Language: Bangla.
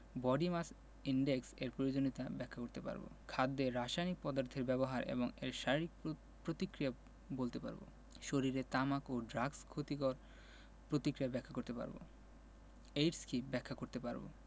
বডি মাস ইনডেক্স এর প্রয়োজনীয়তা ব্যাখ্যা করতে পারব খাদ্যে রাসায়নিক পদার্থের ব্যবহার এবং এর শারীরিক প্রতিক্রিয়া বলতে পারব শরীরে তামাক ও ড্রাগসের ক্ষতিকর প্রতিক্রিয়া ব্যাখ্যা করতে পারব এইডস কী ব্যাখ্যা করতে পারব